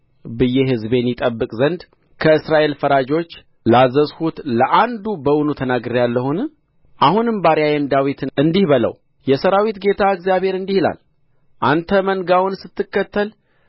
ብዬ ሕዝቤን ይጠብቅ ዘንድ ከእስራኤል ፈራጆች ላዘዝሁት ለአንዱ በውኑ ተናግሬአለሁን አሁንም ባሪያዬን ዳዊትን እንዲህ በለው የሠራዊት ጌታ እግዚአብሔር እንዲህ ይላል አንተ መንጋውን ስትከተል